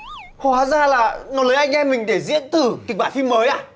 hóa ra là nó lấy anh em mình để diễn thử kịch bản phim mới à